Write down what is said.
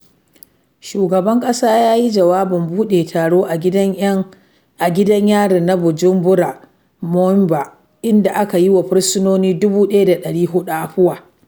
Shugaban ƙasa ya yi jawabin buɗe taro a Gidan Yari na Bujumbura Mpimba, inda aka yi wa fursinoni 1,400 afuwa.